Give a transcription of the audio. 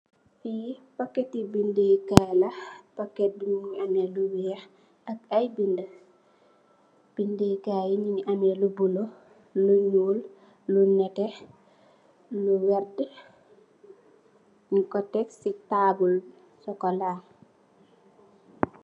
Li paketti bindèé kay la, paket bi mugii ameh lu wèèx ak ay bindé. Bindé kay ñu ngi ameh lu bula, lu ñuul, lu netteh , lu werta. Ñing ko tèk ci tabull bu sokola.